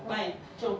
bảy chục